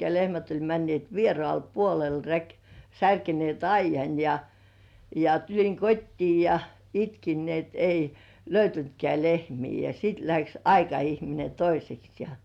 lehmät oli menneet vieraalle puolelle - särkeneet aidan ja ja tulin kotiin ja itkin niin että ei löytynytkään lehmiä ja sitten lähti aikaihminen toiseksi ja